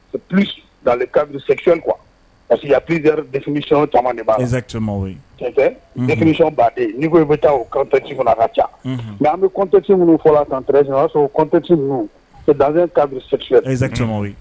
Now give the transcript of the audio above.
Plus dans le cadre sexuel quoi, parce que i y a plusieurs définition caman b'a la, exactement tiɲɛ tɛ, définition baden n'i koi bɛ taa o contexte_ a ka ca, unhun, nka an bɛ contexte minnu fɔra tan très généralement o y'a sɔrɔ o cotexte_ ninnu, c'est dans un cadre sexuel, exactement